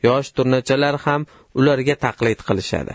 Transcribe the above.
yosh turnachalar ham ularga taqlid qilishadi